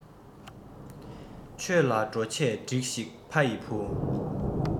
ཆོས ལ འགྲོ ཆས སྒྲིགས ཤིག ཕ ཡི བུ